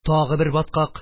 Тагы бер баткак,